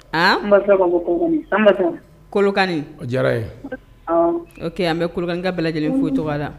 Aa kolokani o diyara ye o ke an bɛ kurukan ka bɛ lajɛlen foyi tɔgɔ la